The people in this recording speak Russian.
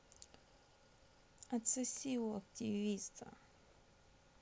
отсоси у активиста